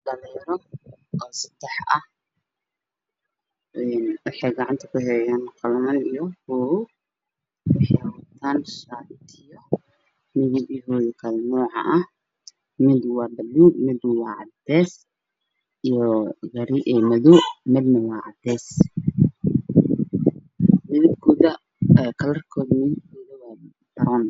Dhalinyaro oo sadaxah een waxey gacnta kuhayan Qaliman Iyoh bugag waxay watan shatiyo midyadoda kala nocah Mid waa bulg Mid waa cades iyo madow midne wa cades